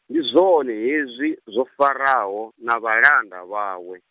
ndi zwone hezwi, zwo Faraho, na vhalanda vhawe.